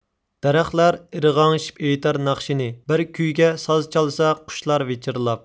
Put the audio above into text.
دەرەخلەر ئىرغاڭشىپ ئېيتار ناخشىنى بىر كۈيگە ساز چالسا قۇشلار ۋىچىرلاپ